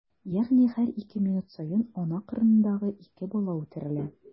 Ягъни һәр ике минут саен ана карынындагы ике бала үтерелә.